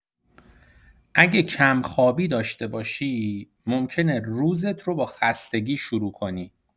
اگه کم‌خوابی داشته باشی، ممکنه روزت رو با خستگی شروع کنی.